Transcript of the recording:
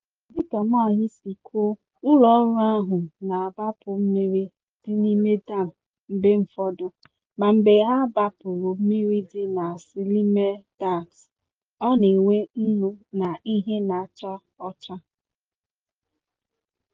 Dịka Moahi si kwuo, ụlọọrụ ahụ na-agbapụ mmiri dị n'ime dam mgbe ụfọdụ, ma mgbe a gbapụrụ mmiri dị na slime dams, ọ na-enwe nnu na ihe na-acha ọcha.